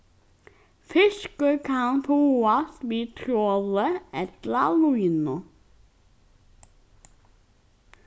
fiskur kann fáast við troli ella línu